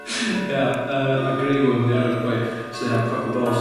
Ia, yy a Grey Worm 'di enw'r boi sy heb coc a balls.